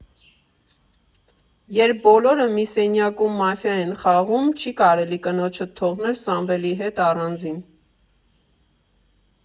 Երբ բոլորը մի սենյակում մաֆիա են խաղում, չի կարելի կնոջդ թողնել Սամվելի հետ առանձին։